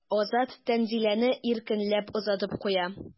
Азат Тәнзиләне иркенләп озатып куя.